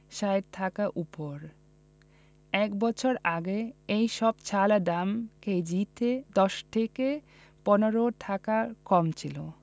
৬০ টাকার ওপরে এক বছর আগে এসব চালের দাম কেজিতে ১০ থেকে ১৫ টাকা কম ছিল